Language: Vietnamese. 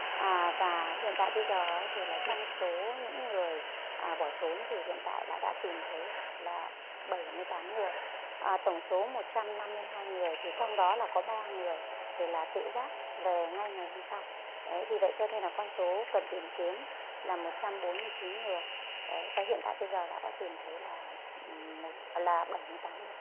à và hiện tại bây giờ ấy thì là trong số những người à bỏ trốn thì hiện tại là đã tìm thấy là bảy mươi tám người à tổng số một trăm năm mươi hai người thì trong đó là có ba người thì là tự giác về ngay ngày hôm sau đấy vì vậy cho nên là con số cần tìm kiếm là một trăm bốn mươi chín người đấy và hiện tại bây giờ là đã tìm thấy là một là bảy mươi tám người